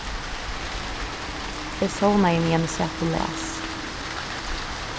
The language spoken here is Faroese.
eg sovnaði meðan eg sat og las